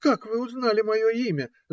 - Как вы узнали мое имя?